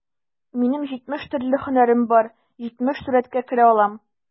Минем җитмеш төрле һөнәрем бар, җитмеш сурәткә керә алам...